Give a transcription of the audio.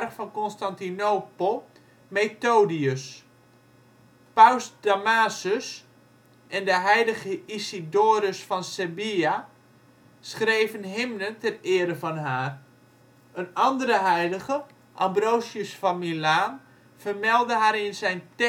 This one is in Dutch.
van Constantinopel Methodius. Paus Damasus en de heilige Isidorus van Sevilla schreven hymnen ter ere van haar. Een andere heilige, Ambrosius van Milaan, vermeldde haar in zijn